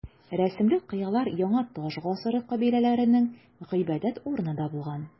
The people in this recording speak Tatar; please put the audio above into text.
Рәсемле кыялар яңа таш гасыры кабиләләренең гыйбадәт урыны да булган.